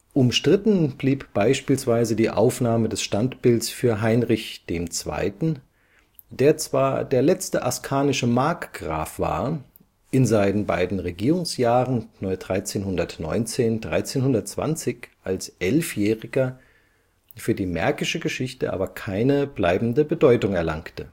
Umstritten blieb beispielsweise die Aufnahme des Standbilds für Heinrich II. (das Kind), der zwar der letzte askanische Markgraf war, in seinen beiden „ Regierungsjahren “1319/1320 als Elfjähriger für die märkische Geschichte aber keine bleibende Bedeutung erlangte